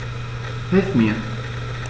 Hilf mir!